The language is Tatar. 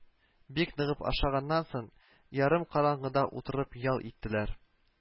Бик ныгытып ашаганнан соң ярым караңгыда утырып ял иттеләр